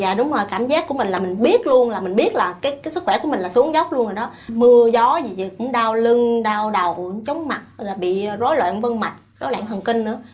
dạ đúng rồi cảm giác của mình là mình biết luôn là mình biết là cái cái sức khỏe của mình là xuống dốc rồi đó mưa gió gì dậy cũng đau lưng đau đầu chóng mặt là bị rối loạn vân mạch rối loạn thần kinh nữa